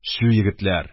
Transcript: — чү, егетләр...